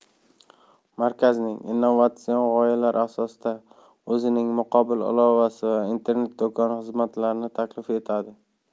markaz innovatsion g'oyalar asosida o'zining mobil ilovasi va internet do'koni xizmatlarini taklif etadi